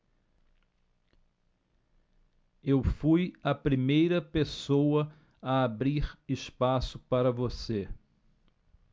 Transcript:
eu fui a primeira pessoa a abrir espaço para você